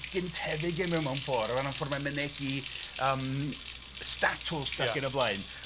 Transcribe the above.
gyntefig e mew- mewn ffor o ran y ffor mae'n mynegi yym statws ac yn y blaen.